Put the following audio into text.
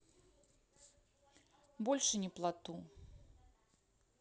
больше не плоту